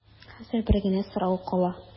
Хәзер бер генә сорау кала.